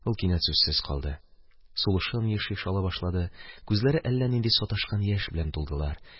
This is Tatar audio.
Ул кинәт сүзсез калды, сулышын еш-еш ала башлады, күзләре әллә нинди саташкан яшь белән тулдылар: